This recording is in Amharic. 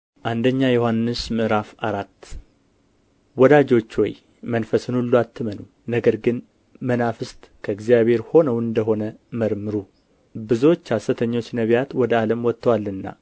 አንደኛ ዮሐንስ ምዕራፍ አራት ወዳጆች ሆይ መንፈስን ሁሉ አትመኑ ነገር ግን መናፍስት ከእግዚአብሔር ሆነው እንደ ሆነ መርምሩ ብዙዎች ሐሰተኞች ነቢያት ወደ ዓለም ወጥተዋልና